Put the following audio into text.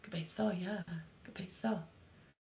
gobeitho ie gobeitho.